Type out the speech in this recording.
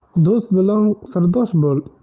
do'st bilan sirdosh bo'l